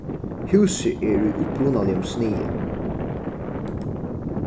húsið er í upprunaligum sniði